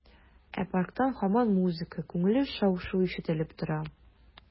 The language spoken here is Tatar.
Ә парктан һаман музыка, күңелле шау-шу ишетелеп тора.